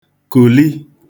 kùli